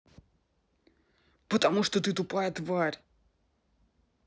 потому что ты тупая тварь